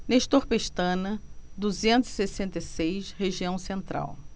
nestor pestana duzentos e sessenta e seis região central